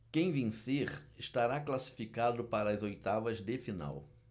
quem vencer estará classificado para as oitavas de final